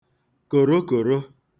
kòrokòro